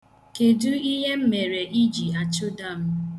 Kedu ihe m mere ị ji achụda m?